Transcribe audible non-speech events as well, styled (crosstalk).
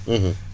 (hesitation) (hesitation)